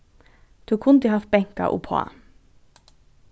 tú kundi havt bankað uppá